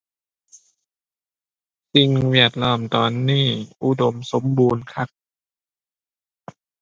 สิ่งแวดล้อมตอนนี้อุดมสมบูรณ์คัก